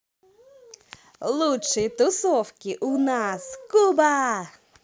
лучшие тусовки у нас куба